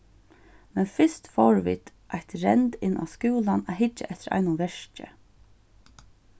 men fyrst fóru vit eitt rend inn á skúlan at hyggja eftir einum verki